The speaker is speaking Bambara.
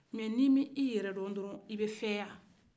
mɛ ni i ma i yɛrɛ don dɔrɔn i bɛ fɛya